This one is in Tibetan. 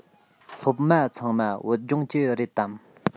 སློབ མ ཚང མ བོད ལྗོངས ཀྱི རེད དམ